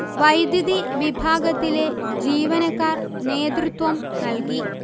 വൈദ്യുതി വിഭാഗത്തിലെ ജീവനക്കാർ നേതൃത്വം നല്കി